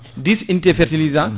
dix unité fertilisant